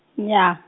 nyaa.